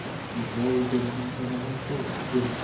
mol jonim sadag'asi